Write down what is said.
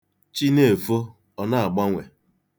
Chi na-efo, ọ na-agbanwe.